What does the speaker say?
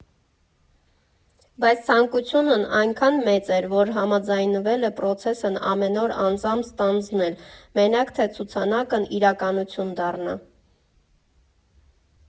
Բայց ցանկությունն այնքան մեծ էր, որ համաձայնվել է պրոցեսն ամեն օր անձամբ ստանձնել, մենակ թե ցուցանակն իրականություն դառնա։